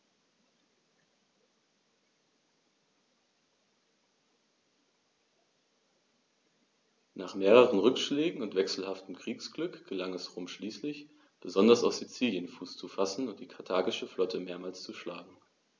Nach mehreren Rückschlägen und wechselhaftem Kriegsglück gelang es Rom schließlich, besonders auf Sizilien Fuß zu fassen und die karthagische Flotte mehrmals zu schlagen.